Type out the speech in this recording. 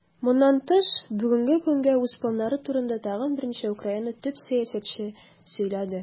Моннан тыш, бүгенге көнгә үз планнары турында тагын берничә Украина топ-сәясәтчесе сөйләде.